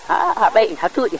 xa a xa ɓay in